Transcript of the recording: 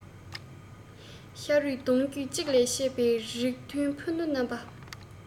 ཤ རུས གདོང རྒྱུད གཅིག ལས ཆད པའི རིགས མཐུན ཕུ ནུ རྣམས པ